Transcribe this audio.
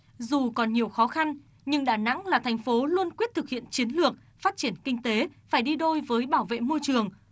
dù còn nhiều khó khăn nhưng đà nẵng là thành phố luôn quyết thực hiện chiến lược phát triển kinh tế phải đi đôi với bảo vệ môi trường